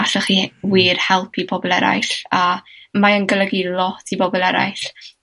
allech chi wir helpu pobol eraill, a mae yn golygu lot i bobol eraill.